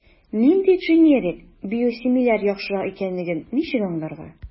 Нинди дженерик/биосимиляр яхшырак икәнлеген ничек аңларга?